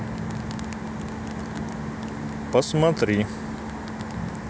посмотри